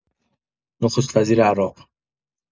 نخست‌وزیر عراق